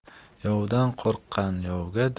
yovdan qo'rqqan yovga